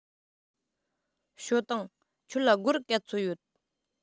ཞའོ ཏུང ཁྱོད ལ སྒོར ག ཚོད ཡོད